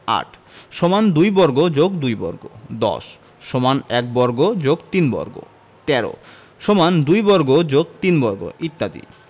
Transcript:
৮ সমান ২ বর্গ যোগ ২ বর্গ ১০ সমান ১ বর্গ যোগ ৩ বর্গ ১৩ সমান ২ বর্গ যোগ ৩ বর্গ ইত্যাদি